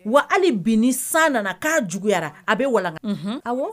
Wa hali bi san nana k'a juguyayara a bɛ waka a wa